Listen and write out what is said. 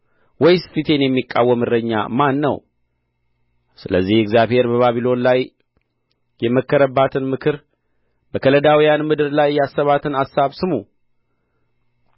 ወይስ ፊቴን የሚቃወም እረኛ ማን ነው ስለዚህ እግዚአብሔር በባቢሎን ላይ የመከረባትን ምክር በከለዳውያንም ምድር ላይ ያሰባትን አሳብ ስሙ